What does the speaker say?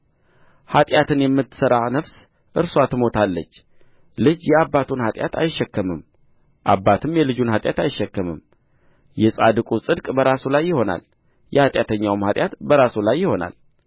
ኃጢአትን የምትሠራ ነፍስ እርስዋ ትሞታለች ልጅ የአባቱን ኃጢአት አይሸከምም አባትም የልጁን ኃጢአት አይሸከምም የጻድቁ ጽድቅ በራሱ ላይ ይሆናል የኃጢአተኛውም ኃጢአት በራሱ ላይ ይሆናል